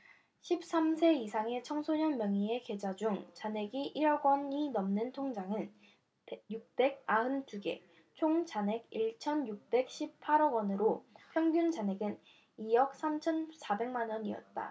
십 삼 세 이상의 청소년 명의의 계좌 중 잔액이 일 억원이 넘는 통장은 육백 아흔 두 개 총 잔액 일 천 육백 십 팔 억원으로 평균 잔액은 이 억 삼 천 사백 만원이었다